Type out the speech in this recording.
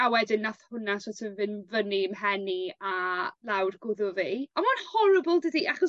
a wedyn nath hwnna so't of fyn' fyny i'm mhen i a lawr gwddw fi. A ma' o'n horrible dydi achos